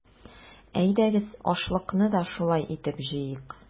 Әйдәгез, ашлыкны да шулай итеп җыйыйк!